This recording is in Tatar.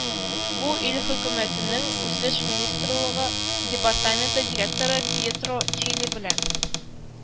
Бу ил хөкүмәтенең үсеш министрлыгы департаменты директоры пьетро чили белән